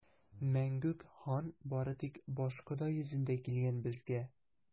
Мәңгүк хан бары тик башкода йөзендә килгән безгә!